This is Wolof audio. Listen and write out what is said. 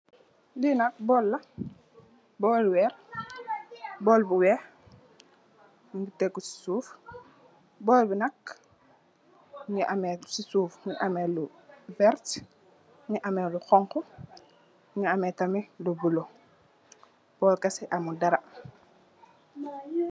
Li nak bóól la booli wèèr, bóól bu wèèx mu tégu ci suuf, bóól bi nak mugii ameh ci suuf lu werta, mugii ameh lu xonxu, mugii ameh lu bula . Bóól kèse amut dara.